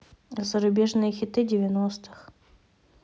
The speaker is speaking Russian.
зарубежные хиты девяностых